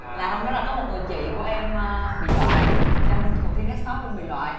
là hôm đó là có một người chị của em a bị loại trong cuộc thi nếch tóp luôn bị loại